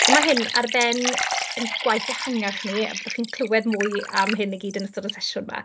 So 'ma hyn ar ben ein gwaith ehangach ni, a byddwch chi'n clywed mwy am hyn i gyd yn ystod y sesiwn 'ma.